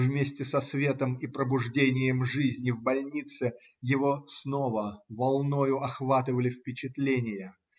вместе со светом и пробуждением жизни в больнице его снова волною охватывали впечатления